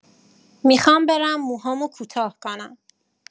می‌خوام برم موهامو کوتاه کنم